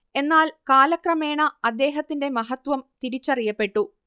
എന്നാൽ കാലക്രമേണ അദ്ദേഹത്തിന്റെ മഹത്ത്വം തിരിച്ചറിയപ്പെട്ടു